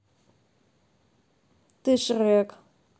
ты шрек